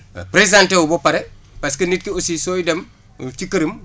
présenter wu ba pare parce que nit ki aussi sooy dem ci këram